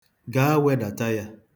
Gaa, wedata ya.